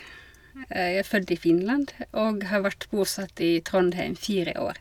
Jeg er født i Finland og har vært bosatt i Trondheim fire år.